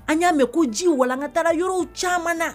An ya mɛn ko ji walankata yɔrɔ caman na